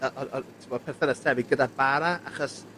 y on' on' t'mo perthynas tebyg gyda bara achos